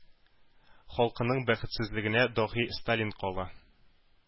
Халкының бәхетсезлегенә, “даһи” сталин кала.